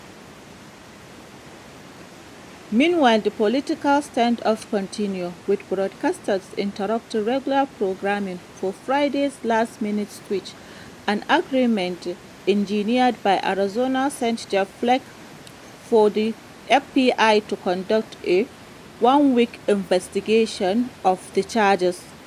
Meanwhile, the political standoff continued, with broadcasters interrupting regular programming for Friday's last-minute twist: an agreement engineered by Arizona Sen. Jeff Flake for the FBI to conduct a one-week investigation of the charges.